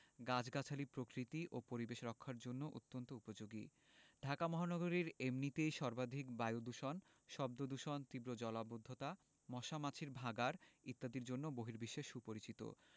গাছগাছালি প্রকৃতি ও পরিবেশ রক্ষার জন্যও অত্যন্ত উপযোগী ঢাকা মহানগরী এমনিতেই সর্বাধিক বায়ুদূষণ শব্দদূষণ তীব্র জলাবদ্ধতা মশা মাছির ভাঁগাড় ইত্যাদির জন্য বহির্বিশ্বে সুপরিচিত